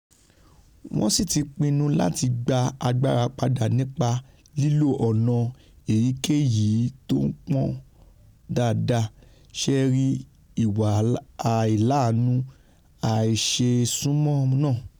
Wọ́n sì ̈ti pinnu láti gba agbára padà nípa lílo ọ̀nà èyíkéyìí tó pọn dandan, sé ẹ rí ìwà aìláàánu, àiṣ̵̵eésúnmọ náà.